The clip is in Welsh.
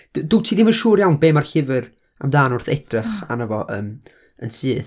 dw- dwyt ti ddim yn siŵr iawn be' ma'r llyfr amdan wrth edrych arno fo yn, yn syth.